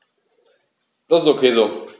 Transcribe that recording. Das ist ok so.